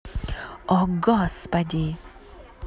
о господи